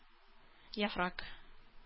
Яфрак